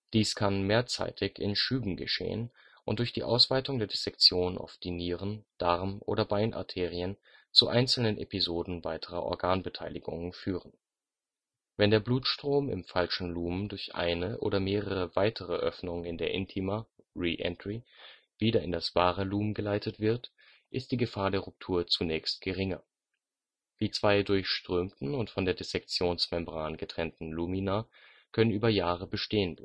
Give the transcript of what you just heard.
Dies kann „ mehrzeitig “in Schüben geschehen und durch die Ausweitung der Dissektion auf die Nieren -, Darm - oder Beinarterien zu einzelnen Episoden weiterer Organbeteiligungen führen. Wenn der Blutstrom im falschen Lumen durch eine oder mehrere weitere Öffnungen in der Intima (re-entry) wieder in das wahre Lumen geleitet wird, ist die Gefahr der Ruptur zunächst geringer. Die zwei durchströmten und von der Dissektionsmembran getrennten Lumina können über Jahre bestehen